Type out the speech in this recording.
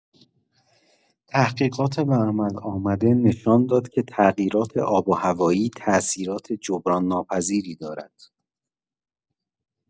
تحقیقات به‌عمل‌آمده نشان داد که تغییرات آب‌وهوایی تأثیرات جبران‌ناپذیری دارد.